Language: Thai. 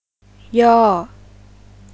ย่อ